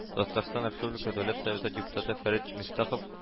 Татарстан Республика Дәүләт Советы депутаты Фәрит Мифтахов